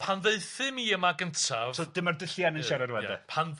Pan ddaethum i yma gyntaf... So dyma'r dylluan yn siarad rŵan de. Pan